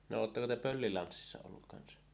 no oletteko te pöllilanssissa ollut kanssa